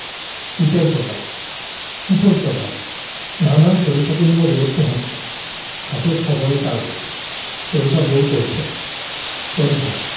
বাদশাকে ভাত বেড়ে দিয়ে বলে তলে তলে কখন তুই ঠিক করলি আমরা কিচ্ছু টের পেলাম না তোর বন্ধুরা খোঁজ করতে এসেছিলো